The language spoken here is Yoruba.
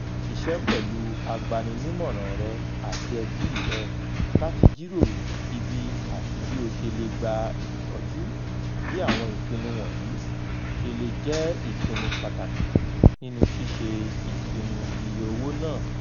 Ṣíṣe pẹ̀lú agbanínimọran rẹ̀ àti ẹbí rẹ̀ láti jíròrò ibi àti bí ó ṣe le gba ìtọ́jú, bí àwọn ìpinnu wọ̀nyí ṣe lè jẹ́ ìpinnu pàtàkì Nínú ṣíṣe ìpinnu iye owó náà.